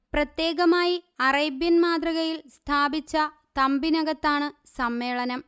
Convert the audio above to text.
പ്രത്യേകമായി അറേബ്യൻ മാതൃകയിൽ സ്ഥാപിച്ച തമ്പിനകത്താണ് സമ്മേളനം